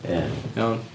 Ia..Iawn...